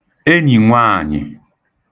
enyi nwaanyị